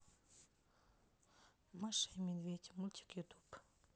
маша и медведь мультик ютуб